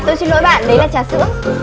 tôi xin lỗi bạn đấy là trà sữa